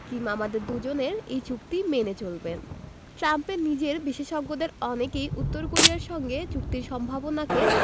Kim আমাদের দুজনের এই চুক্তি মেনে চলবেন ট্রাম্পের নিজের বিশেষজ্ঞদের অনেকেই উত্তর কোরিয়ার সঙ্গে চুক্তির সম্ভাবনাকে